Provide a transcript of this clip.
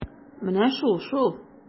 Менә шул-шул!